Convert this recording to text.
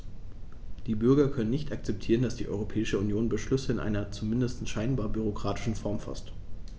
Die Bürger können nicht akzeptieren, dass die Europäische Union Beschlüsse in einer, zumindest scheinbar, bürokratischen Form faßt.